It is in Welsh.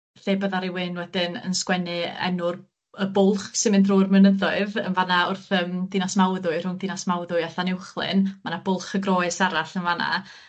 lle bydda rywun wedyn yn sgwennu enw'r y bwlch sy'n mynd drwy'r mynyddoedd yn fan 'na wrth yym Dinas Mawddwy, rhwng Dinas Mawddwy a Llanuwchlyn, ma' 'na Bwlch y Groes arall yn fan 'na.